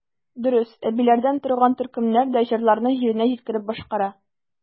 Дөрес, әбиләрдән торган төркемнәр дә җырларны җиренә җиткереп башкара.